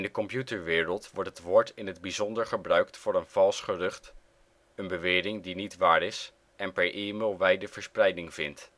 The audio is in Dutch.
computerwereld wordt het woord in het bijzonder gebruikt voor een vals gerucht, een bewering die niet waar is en per e-mail wijde verspreiding vindt